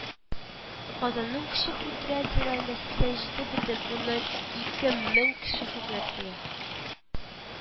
Казанның кече предприятиеләрендә сиксән җиде бөтен уннан ике мең кеше хезмәт куя